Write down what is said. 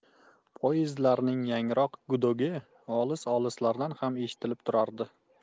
poezdlarning yangroq gudogi olis olislardan ham eshitilib turardi